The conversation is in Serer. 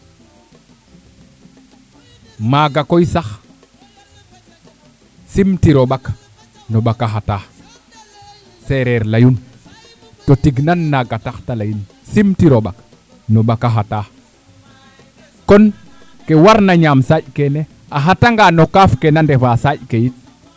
maga koy sax simtiro ɓak no ɓaka xata sereer leyun to tig nan naga tax te leyin sim tiro ɓak no ɓaka xata kon ke warna ñaam saaƴ keene a xata nga no kaaf ke na ndefa no saaƴ ke yiin